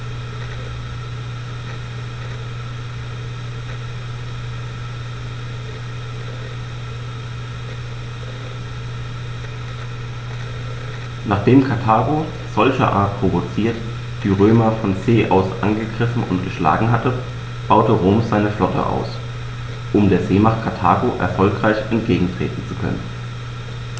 Nachdem Karthago, solcherart provoziert, die Römer von See aus angegriffen und geschlagen hatte, baute Rom seine Flotte aus, um der Seemacht Karthago erfolgreich entgegentreten zu können.